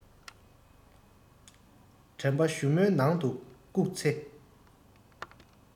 དྲན པའི གཞུ མོ ནང དུ བཀུག ཚེ